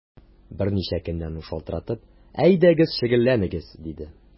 Берничә көннән ул шалтыратып: “Әйдәгез, шөгыльләнегез”, диде.